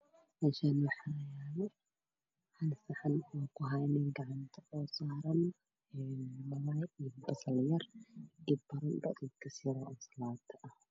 Meeshaan waxaa yaalo 1 saxan oo ku hayo nin gacanta oo saaran een malaay iyo basal yar iyo baruuraad iyo kis yar oo ansalaato ah